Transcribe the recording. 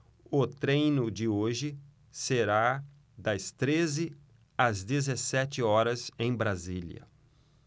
o treino de hoje será das treze às dezessete horas em brasília